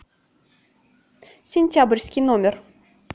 сентябрьский номер